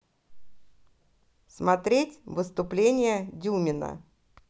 смотреть выступление дюмина